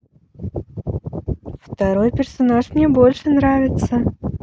второй персонаж мне больше нравится